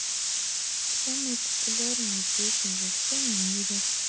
самые популярные песни во всем мире